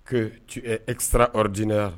Era o diinɛ wa